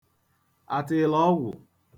àtị̀ị̀lọgwụ̀